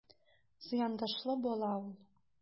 Зыяндашлы бала ул...